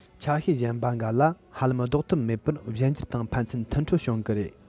ཆ ཤས གཞན པ འགའ ལ ཧ ལམ ལྡོག ཐབས མེད པར གཞན འགྱུར དང ཕན ཚུན མཐུན འཕྲོད བྱུང གི རེད